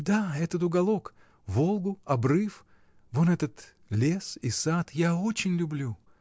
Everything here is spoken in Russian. — Да, этот уголок, Волгу, обрыв — вон этот лес и сад — я очень люблю!